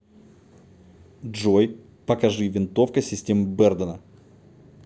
джой покажи винтовка системы бердана